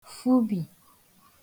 fubì